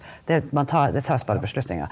det man tar det tas bare beslutninger.